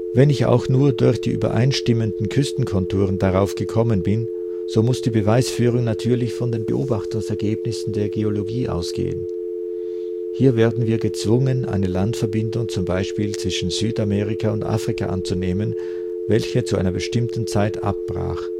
Wenn ich auch nur durch die übereinstimmenden Küstenkonturen darauf gekommen bin, so muß die Beweisführung natürlich von den Beobachtungsergebnissen der Geologie ausgehen. Hier werden wir gezwungen, eine Landverbindung zum Beispiel zwischen Südamerika und Afrika anzunehmen, welche zu einer bestimmten Zeit abbrach